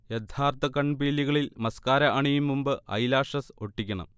യഥാർത്ഥ കൺപീലികളിൽ മസ്കാര അണിയും മുമ്പ് ഐലാഷസ് ഒട്ടിക്കണം